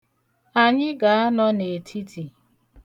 Anyị ga-anọ n'etiti.